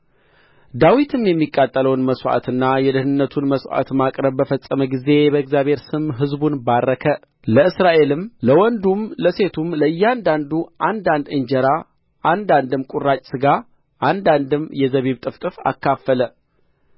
ዳዊትም የሚቃጠለውን መሥዋዕትና የደኅንነቱን መሥዋዕት ማቅረብ በፈጸመ ጊዜ በእግዚአብሔር ስም ሕዝቡን ባረከ ለእስራኤልም ለወንዱም ለሴቱም ለእያንዳንዱ አንዳንድ እንጀራ አንዳንድም ቍራጭ ሥጋ አንዳንድም የዘቢብ ጥፍጥፍ አካፈለ